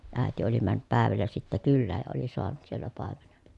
äiti oli mennyt päivällä sitten kylään ja oli saanut siellä paimenen